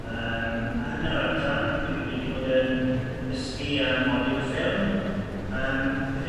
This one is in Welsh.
yym yn yr adran dwi wedi bod yn dysgi yy modiwl ffilm yym bydden